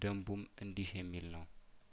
ደንቡም እንዲህ የሚል ነው